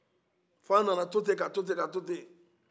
fɔ a nana tote ka tote ka tot e